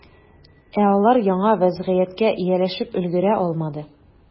Ә алар яңа вәзгыятькә ияләшеп өлгерә алмады.